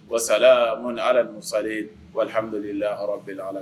Wa sala mun ni ala muhamdula yɔrɔ bɛɛ ala la